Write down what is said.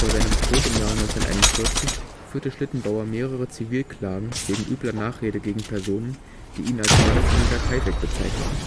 seinem Tod im Jahre 1941 führte Schlittenbauer mehrere Zivilklagen wegen übler Nachrede gegen Personen, die ihn als „ Mörder von Hinterkaifeck “bezeichneten